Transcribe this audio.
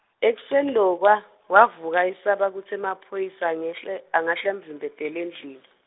ekuseni lokwa, wavuka esaba kutsi emaphoyisa ngehle, angahle amvimbetele endlini.